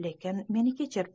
lekin meni kechir